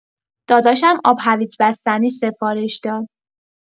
داداشم آب هویچ بستنی سفارش داد.